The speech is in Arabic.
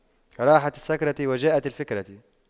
راحت السكرة وجاءت الفكرة